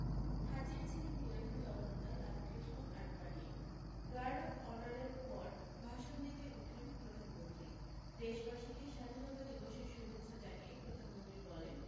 হাজির ছিলেন বিরোধী দলনেতা লালকৃষ্ণ আডবাণীও গার্ড অফ অনারের পর ভাষণ দিতে ওঠেন প্রধানমন্ত্রী দেশবাসীকে স্বাধীনতা দিবসের শুভেচ্ছা জানিয়ে প্রধানমন্ত্রী বলেন